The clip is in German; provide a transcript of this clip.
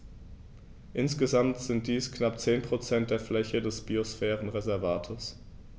Insgesamt sind dies knapp 10 % der Fläche des Biosphärenreservates.